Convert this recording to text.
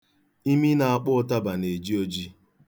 Imi na-akpọ ụtaba na-eji oji.